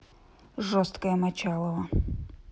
жесткая мочалова